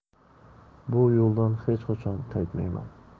bu yo'ldan hech qachon qaytmayman